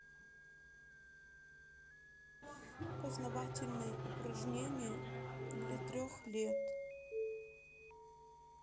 познавательные упражнения для трех лет